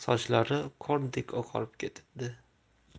sochlari qordek oqarib ketibdi